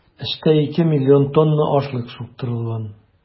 3,2 млн тонна ашлык суктырылган.